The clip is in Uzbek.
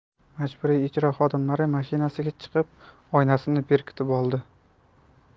majburiy ijro xodimlari mashinasiga chiqib oynasini berkitib oldi